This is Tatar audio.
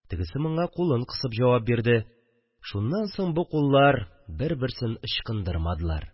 Тегесе моңа кулын кысып җавап бирде. Шуннан соң бу куллар берсе-берсен ычкындырмадылар